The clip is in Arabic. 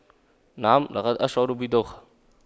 نعم لقد أشعر بدوخة